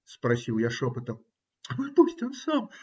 - спросил я шепотом. - Пусть он сам.